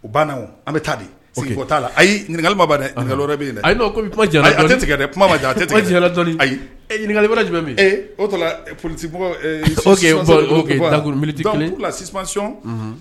U banna an bɛ taa di t'a la ayi ɲininkakama yɔrɔ bɛ yen la a tigɛ kuma ma a tɛ dɔnni ayi ɲininkakali lajɛlen min o psikuruti sisanc